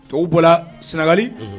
To bɔra sinagali